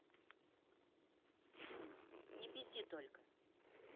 не пизди только